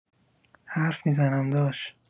حرف می‌زنم داش.